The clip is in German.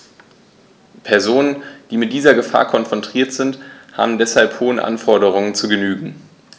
Personen, die mit dieser Gefahr konfrontiert sind, haben deshalb hohen Anforderungen zu genügen.